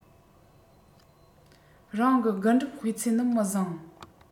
རང གི རྒུན འབྲུམ སྤུས ཚད ནི མི བཟང